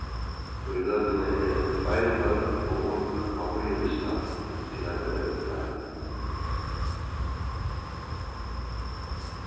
í løtuni eru fleiri børn og ung á bíðilista til at verða útgreinað